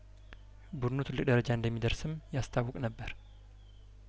ቡድኑ ትልቅ ደረጃ እንደሚደርስም ያስታውቅ ነበር